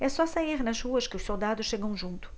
é só sair nas ruas que os soldados chegam junto